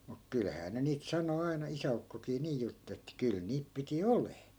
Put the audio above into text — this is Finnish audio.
mutta kyllähän ne niitä sanoi aina isäukkokin niin jutteli että kyllä niitä piti olemaan